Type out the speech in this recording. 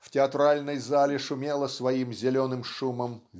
В театральной зале шумела своим зеленым шумом